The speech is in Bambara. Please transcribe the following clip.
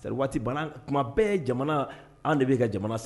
Seri bana kuma bɛɛ jamana an de bɛ ka jamana sa